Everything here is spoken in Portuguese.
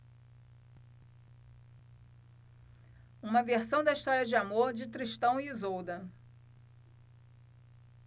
uma versão da história de amor de tristão e isolda